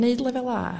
gneud lefel a